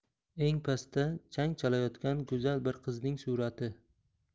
eng pastda chang chalayotgan go'zal bir qizning surati